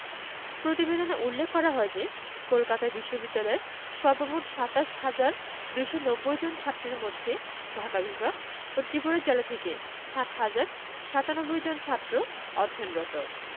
প্রতিবেদনে উল্লেখ করা হয় যে কলকাতা বিশ্ববিদ্যালয়ের সর্বমোট ২৭ হাজার ২৯০ জন ছাত্রের মধ্যে ঢাকা বিভাগ ও ত্রিপুরা জেলা থেকে ৭ হাজার ৯৭ জন ছাত্র অধ্যয়নরত